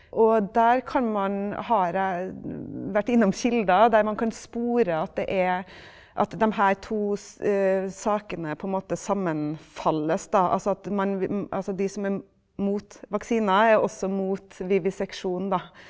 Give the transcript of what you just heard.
og der kan man har jeg vært innom kilder der man kan spore at det er at dem her to sakene på en måte sammenfalles da, altså at man altså de som er mot vaksiner er også mot viviseksjon da.